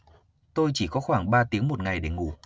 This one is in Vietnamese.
tôi chỉ có khoảng ba tiếng một ngày để ngủ